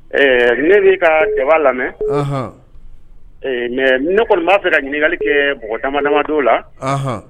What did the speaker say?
Ne y'i ka jabaa lamɛn mɛ ne kɔni b'a fɛ ka ɲininkakali kɛ mɔgɔɔgɔtadon la